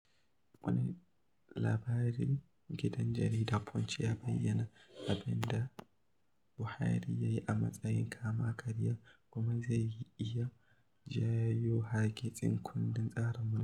Wani labarin gidan jaridar Punch ya bayyana abin da Buhari ya yi a matsayin kama-karya kuma zai iya jawo hargitsin kundin tsarin mulki: